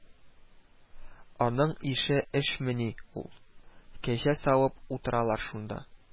Аның ише эшмени ул, кәҗә савып утыралар шунда